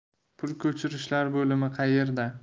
pul ko'chirishlar bo'limi qayerda